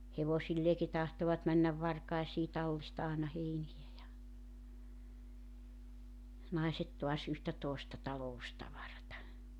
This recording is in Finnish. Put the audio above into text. hevosilleenkin tahtoivat mennä varkaisiin tallista aina heiniä ja naiset taas yhtä toista taloustavaraa